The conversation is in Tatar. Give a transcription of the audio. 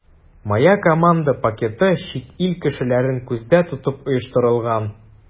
“моя команда” пакеты чит ил кешеләрен күздә тотып оештырылган.